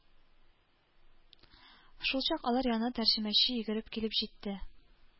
Шулчак алар янына тәрҗемәче йөгереп килеп җитте.